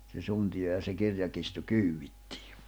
se suntio ja se kirjakirstu kyydittiin